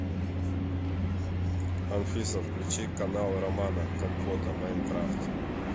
анфиса включи канал романа компота майнкрафт